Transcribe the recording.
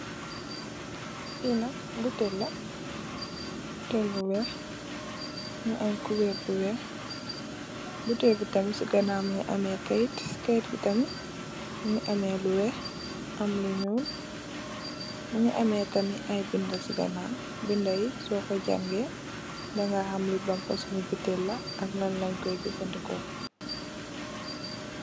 Lii nak butel la, butel bu weex, mingi am kubeer bu weex, butel bi tamit si ganaaw mingi ame kayit, kayit bi tamit mingi ame lu weex, am lu nyuul, mingi ame tamit ay binda si ganaaw, binda yi so ko jangee, dangay xam li ban fasong butel la ak lan lenj koy jafandiko.